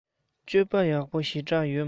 སྤྱོད པ ཡག པོ ཞེ དྲགས ཡོད མ རེད